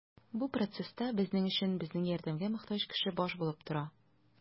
Бу процесста безнең өчен безнең ярдәмгә мохтаҗ кеше баш булып тора.